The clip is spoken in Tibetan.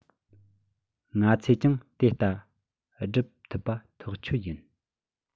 ང ཚོས ཀྱང དེ ལྟ སྒྲུབ ཐུབ པ ཐག ཆོད ཡིན